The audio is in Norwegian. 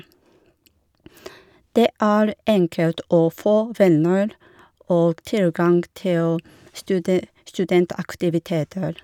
Det er enkelt å få venner og tilgang til stude studentaktiviteter.